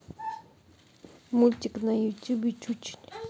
мультик на ютубе чучел